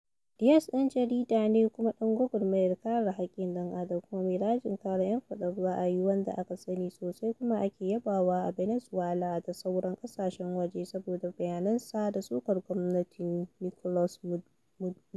Diaz ɗan jarida ne kuma ɗan gwagwarmayar kare haƙƙin ɗan'adam kuma mai rajin kare 'yan faɗar ra'ayi wanda aka sani sosai kuma ake yabawa a ɓenezuela da sauran ƙasashen waje saboda bayanansa da sukar gwamnatin Nicolas Maduro.